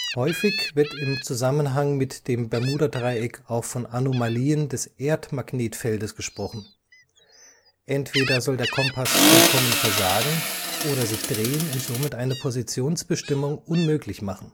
Häufig wird im Zusammenhang mit dem Bermudadreieck auch von Anomalien des Erdmagnetfeldes gesprochen. Entweder soll der Kompass vollkommen versagen oder sich drehen und somit eine Positionsbestimmung unmöglich machen